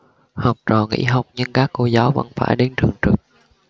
học trò nghỉ học nhưng các cô giáo vẫn phải đến trường trực